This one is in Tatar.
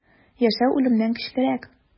Яшәү үлемнән көчлерәк.